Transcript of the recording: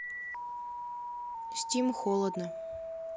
steam холодно